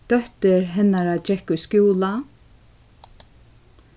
dóttir hennara gekk í skúla